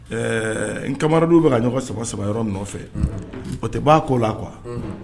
Ɛɛ n kamadenw bɛ ka ɲɔ saba saba yɔrɔ nɔfɛ otɛ'a'o la qu